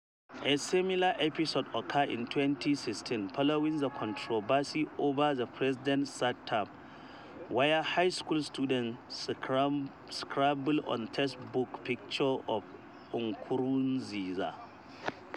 A similar episode occurred in 2016, following the controversy over the president’s third term, where high school students scribbled on textbook pictures of Nkurunziza.